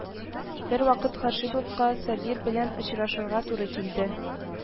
Бервакыт Һашимовка Сабир белән очрашырга туры килде